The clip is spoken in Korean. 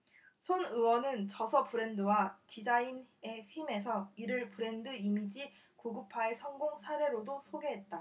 손 의원은 저서 브랜드와 디자인의 힘 에서 이를 브랜드 이미지 고급화의 성공 사례로도 소개했다